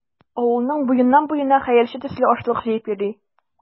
Авылның буеннан-буена хәерче төсле ашлык җыеп йөри.